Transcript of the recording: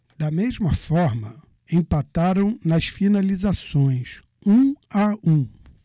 da mesma forma empataram nas finalizações um a um